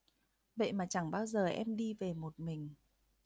vậy mà chẳng bao giờ em đi về một mình